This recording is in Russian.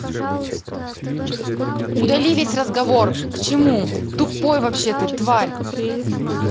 удали весь разговор к чему тупой вообще ты тварь